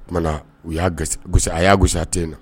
Oumana u ya a y'a gosisa tɛ na